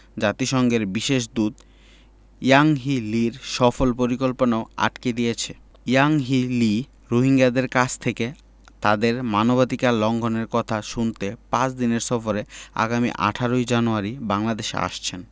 জাতিসংঘের বিশেষ দূত ইয়াংহি লির সফর পরিকল্পনাও আটকে দিয়েছে ইয়াংহি লি রোহিঙ্গাদের কাছ থেকে তাদের মানবাধিকার লঙ্ঘনের কথা শুনতে পাঁচ দিনের সফরে আগামী ১৮ জানুয়ারি বাংলাদেশে আসছেন